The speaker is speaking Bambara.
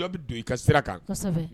Dɔ bɛ don i ka sira kan